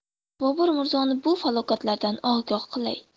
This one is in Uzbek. bobur mirzoni bu falokatlardan ogoh qilay